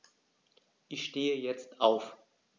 Ich stehe jetzt auf.